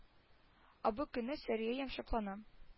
Ә бу көнне сәрия йомшаклана